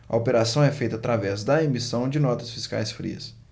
a operação é feita através da emissão de notas fiscais frias